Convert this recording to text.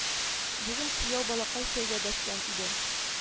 Бүген кияү балакай чәйгә дәшкән иде